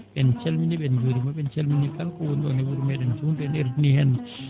en calminii ɓe en njuuriima ɓe en calminii kala ko woni ɗoon e wuro meeɗen *